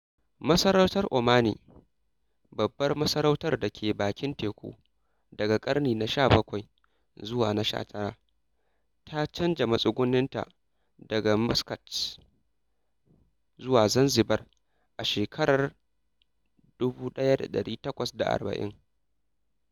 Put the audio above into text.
Masarautar Omani "babbar masarautar da ke bakin teku daga ƙarni na 17 zuwa na 19" ta canja matsuguninta daga Muscat zuwa Zanzibar a shekarar 1840.